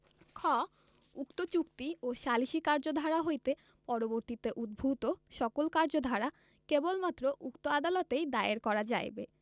খ উক্ত চুক্তি ও সালিসী কার্যধারা হইতে পরবর্তীতে উদ্ভুত সকল কার্যধারা কেবলমাত্র উক্ত আদালতেই দায়ের করা যাইবে